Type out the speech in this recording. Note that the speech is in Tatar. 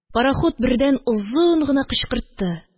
Парахут бердән озын гына кычкыртты